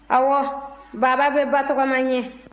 ɔwɔ baba bɛ batɔgɔma ɲɛ